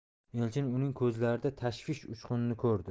elchin uning ko'zlarida tashvish uchquni ko'rdi